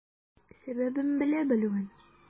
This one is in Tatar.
Сәбәбен белә белүен.